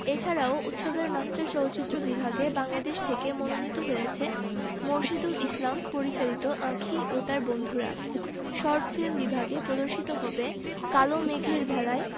এছাড়াও উৎসবের মাস্টার চলচ্চিত্র বিভাগে বাংলাদেশ থেকে মনোনীত হয়েছে মোরশেদুল ইসলাম পরিচালিত আঁখি ও তার বন্ধুরা শর্ট ফিল্ম বিভাগে প্রদর্শিত হবে কালো মেঘের ভেলায়